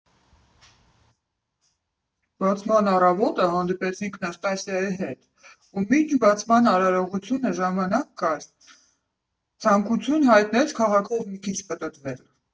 Բացման առավոտը հանդիպեցինք Նաստասիայի հետ, ու մինչ բացման արարողությունը ժամանակ կար, ցանկություն հայտնեց քաղաքով մի քիչ պտտվել։